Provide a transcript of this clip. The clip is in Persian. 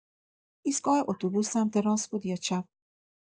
ایستگاه اتوبوس سمت راست بود یا چپ؟